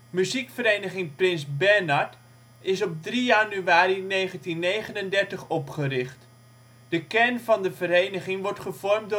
Muziekvereniging " Prins Bernhard " is op 3 januari 1939 opgericht. De kern van de vereniging wordt gevormd